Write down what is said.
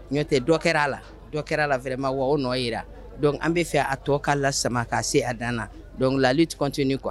N'o tɛ dɔ kɛra a la, dɔ kɛra a la vraiment wa o nɔ ye ra, donc an bɛ fɛ, a tɔ ka lasama k'a se, a dan na donc la lutte continue quoi